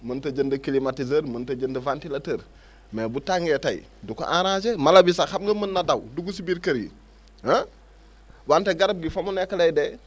mënut a jënd climatiseur mënut a jënd ventilateur mais bu tàngee tey du ko arrangé mala bi sax xam nga mën na daw dugg si biir kër yi ah wante garab gi fa mu nekk lay dee